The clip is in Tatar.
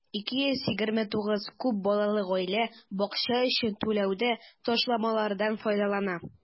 229 күп балалы гаилә бакча өчен түләүдә ташламалардан файдалана.